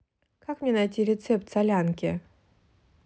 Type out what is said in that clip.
как мне найти рецепт солянки